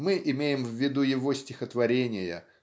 мы имеем в виду его стихотворения